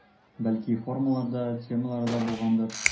Бәлки формалар да, темалар да булгандыр.